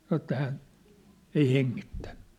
sanoi että hän ei hengittänyt